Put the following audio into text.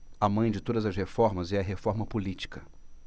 a mãe de todas as reformas é a reforma política